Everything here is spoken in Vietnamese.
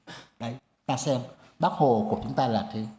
đấy ta xem bác hồ của chúng ta là thế